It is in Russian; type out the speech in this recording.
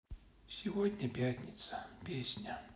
сегодня пятница песня